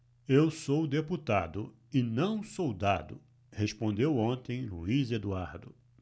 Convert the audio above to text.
eu sou deputado e não soldado respondeu ontem luís eduardo